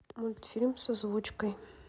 мультфильмы с озвучкой